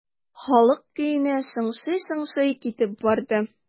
Халык көенә шыңшый-шыңшый китеп барды.